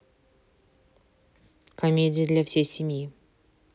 комедии для всей семьи